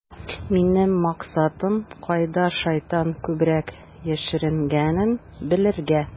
Минем максатым - кайда шайтан күбрәк яшеренгәнен белергә.